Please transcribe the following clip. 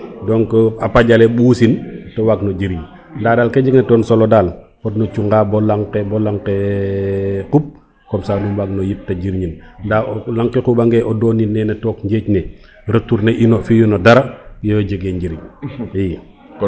donc a paƴale ɓusin te waag no jiriñ nda ren ke jeg na ten solo dal fat nu cunga bo laŋke bo laŋ ke qub comme ca nu mbaag no yip te jirñin nda laŋ ke xuɓange o donin naga took njeeƴ ne retourner ino fi ino dara iyo jege njiriñ i